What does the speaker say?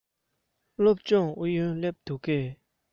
སློབ སྦྱོང ཨུ ཡོན སླེབས འདུག གས